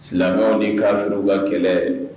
Silamɛw ni ka furuba kɛlɛ